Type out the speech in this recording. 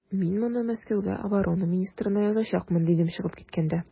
Мин моны Мәскәүгә оборона министрына язачакмын, дидем чыгып киткәндә.